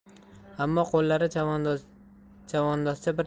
ammo qo'llari chavandozcha bir